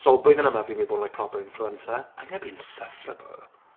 So blwyddyn yma fi'n mynd i bod yn like proper influencer. I'm going to be insufferable.